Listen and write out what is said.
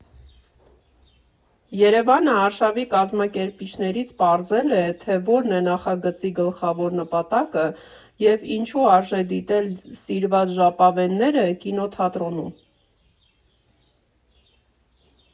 ԵՐԵՎԱՆը արշավի կազմակերպիչներից պարզել է, թե որն է նախագծի գլխավոր նպատակը և ինչու արժե դիտել սիրված ժապավենները կինոթատրոնում։